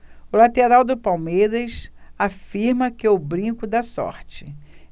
o lateral do palmeiras afirma que o brinco dá sorte